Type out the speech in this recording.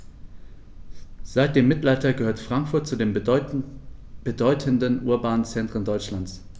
Seit dem Mittelalter gehört Frankfurt zu den bedeutenden urbanen Zentren Deutschlands.